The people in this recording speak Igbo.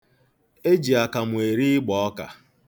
E ji akamu eri ịgbọọka.